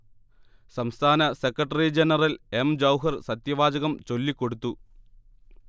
സംസ്ഥാന secretary general M. Jauhar സത്യവാചകം ചൊല്ലികൊടുത്തു